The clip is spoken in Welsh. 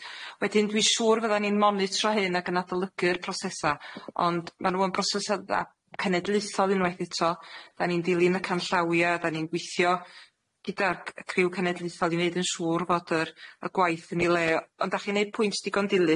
Wedyn dwi siŵr fyddan ni'n monitro hyn ac yn adolygu'r prosesa, ond ma' nw yn brosesydda cenedluthol unwaith eto, da ni'n dilyn y canllawia da ni'n gwithio gyda'r c- y criw cenedluthol i neud yn siŵr fod yr y gwaith yn i le ond 'dach chi'n neud pwynt digon dilys.